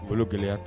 Golo gɛlɛyaya tɛ